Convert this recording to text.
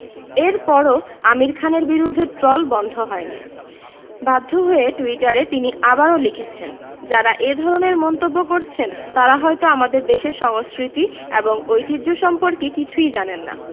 এরপরও আমির খানের বিরুদ্ধে ট্রল বন্ধ হয়নি বাধ্য হয়ে টুইটারে তিনি আবারও লিখেছেন যাঁরা এ ধরনের মন্তব্য করছেন তাঁরা হয়তো আমাদের দেশের সংস্কৃতি এবং ঐতিহ্য সম্পর্কে কিছুই জানেন না